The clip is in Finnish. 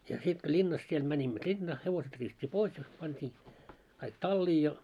ja sitten kun linnassa siellä menimme linnaan hevoset riisuttiin pois ja pantiin kaikki talliin ja